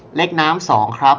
เล็กน้ำสองครับ